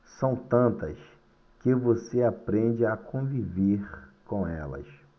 são tantas que você aprende a conviver com elas